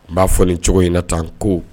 N b'a fɔ ni cogo in na tan ko